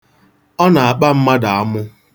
Ọ na-akpa mmadụ amụ.